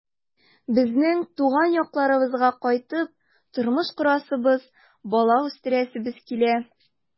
Безнең туган якларыбызга кайтып тормыш корасыбыз, бала үстерәсебез килә.